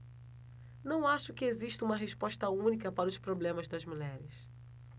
não acho que exista uma resposta única para os problemas das mulheres